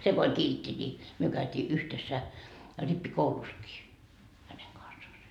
se kun oli kiltti niin me käytiin yhdessä rippikoulussakin hänen kanssaan